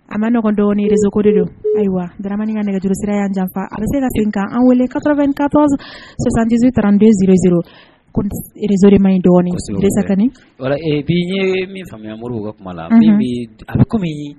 A bɛɔgɔndɔrezko de don ayiwamani ka nɛgɛurusi yya janfa a se ka tenkan an wele ka ka sisantiz tadenzrezo ma in dɔgɔninsa ka bi min faamuya kuma a kɔmi